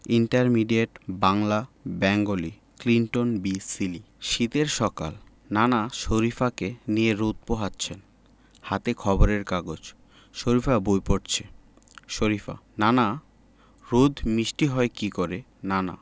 intermediate Bangla Bengali ক্লিন্টন বি সিলি শীতের সকাল শীতের সকাল নানা শরিফাকে নিয়ে রোদ পোহাচ্ছেন হাতে খবরের কাগজ শরিফা বই পড়ছে শরিফা নানা রোদ মিষ্টি হয় কী করে নানা